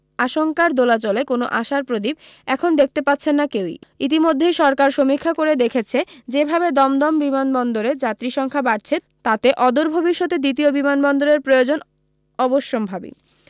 আশঙ্কার দোলাচলে কোনও আশার প্রদীপ এখন দেখতে পাচ্ছেন না কেউই ইতিমধ্যেই সরকার সমীক্ষা করে দেখেছে যে ভাবে দমদম বিমানবন্দরে যাত্রী সংখ্যা বাড়ছে তাতে অদূর ভবিষ্যতে দ্বিতীয় বিমানবন্দরের প্রয়োজন অবশ্যম্ভাবী